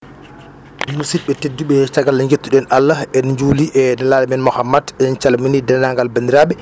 musidɓe tedduɓe caggal nde jettuɗen Allah e juuli e Nelaɗo men Mouhammad min calmini dendagal bandiraɓe